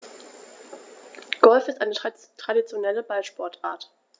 Golf ist eine traditionelle Ballsportart.